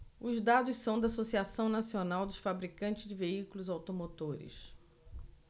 os dados são da anfavea associação nacional dos fabricantes de veículos automotores